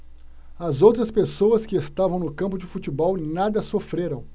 as outras pessoas que estavam no campo de futebol nada sofreram